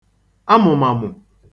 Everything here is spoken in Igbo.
amụ̀màmụ̀